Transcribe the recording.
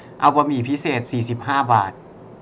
เอาบะหมี่พิเศษสี่สิบห้าบาท